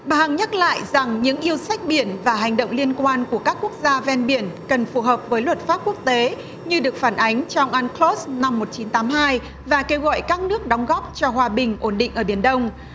bà hằng nhắc lại rằng những yêu sách biển và hành động liên quan của các quốc gia ven biển cần phù hợp với luật pháp quốc tế như được phản ánh trong an cờ rốt năm một chín tám hai và kêu gọi các nước đóng góp cho hòa bình ổn định ở biển đông